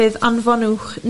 fydd anfonwch